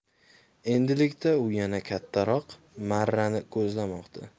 endilikda u yanada kattaroq marrani ko'zlamoqda